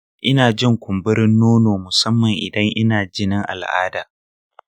ina jin kumburin nono musamman idan ina jinin al’ada.